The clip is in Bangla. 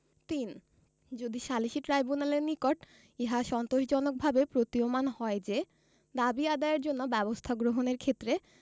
৩ যদি সালিসী ট্রাইব্যুনালের নিকট ইহা সন্তোষজনকভাবে প্রতীয়মান হয় যে দাবী আদায়ের জন্য ব্যবস্থা গ্রহণের ক্ষেত্রে